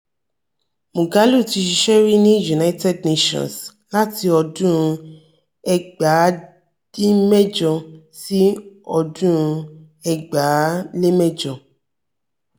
Moghalu ti ṣiṣẹ́ rí ní United Nations láti ọdún 1992 sí 2008.